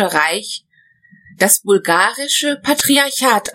Reich das bulgarische Patriarchat